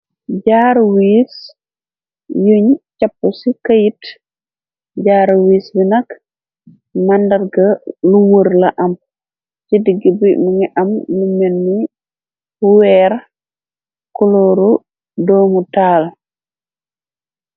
Jaaru wiis yuñ càpp ci kayit jaaru. Wiis bi nak màndarga lu wër la am ci digg bi. Mu ngi am lu men ni weer kolooru doomu taal.